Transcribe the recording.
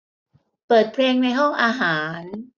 เปิดเพลงในห้องอาหาร